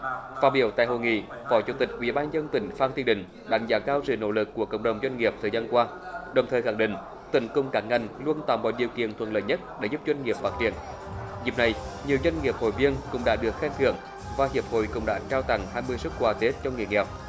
phát biểu tại hội nghị phó chủ tịch ủy ban dân tỉnh phan thanh định đánh giá cao sự nỗ lực của cộng đồng doanh nghiệp thời gian qua đồng thời khẳng định tấn công các ngành luôn tạo mọi điều kiện thuận lợi nhất để giúp doanh nghiệp phát triển dịp này nhiều doanh nghiệp hội viên cũng đã được khen thưởng và hiệp hội cũng đã trao tặng hai mươi suất quà tết cho người nghèo